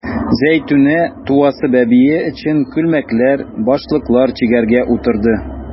Зәйтүнә туасы бәбие өчен күлмәкләр, башлыклар чигәргә утырды.